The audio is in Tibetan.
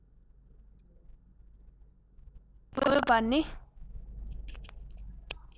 ཤིག དགོས པ ནི